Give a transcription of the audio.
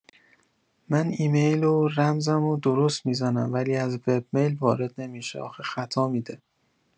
من ایمیل و رمزمو درست می‌زنم ولی از وب میل وارد نمی‌شه آخه خطا می‌ده